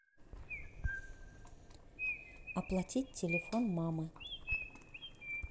оплатить телефон мамы